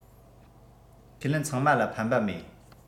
ཁས ལེན ཚང མར ལ ཕན པ མེད